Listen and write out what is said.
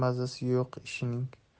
mazasi yo'q ishining